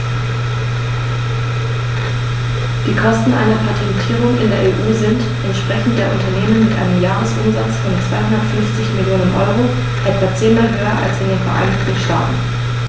Die Kosten einer Patentierung in der EU sind, entsprechend der Unternehmen mit einem Jahresumsatz von 250 Mio. EUR, etwa zehnmal höher als in den Vereinigten Staaten.